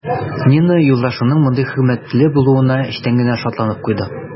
Нина юлдашының мондый хөрмәтле булуына эчтән генә шатланып куйды.